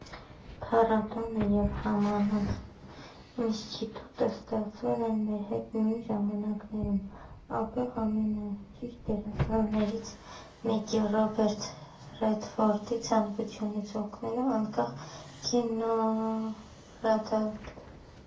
Փառատոնը և համանուն իսնտիտուտը ստեղծվել են մեր հետ նույն ժամանակներում ապրող ամենաճիշտ դերասաններից մեկի՝ Ռոբերտ Ռեդֆորդի ցանկությունից՝ օգնելու անկախ կինոարտադրողներին։